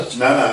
Na na na na.